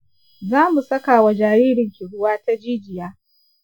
za mu saka wa jaririnki ruwa ta jijiya